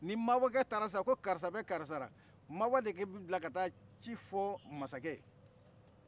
ni mabɔkɛ taara sisan ko karisa bɛ karisa la mabɔ de bila ka taa ci fɔ masakɛ ye